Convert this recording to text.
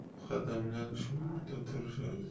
qadimdan shu yerda turishadi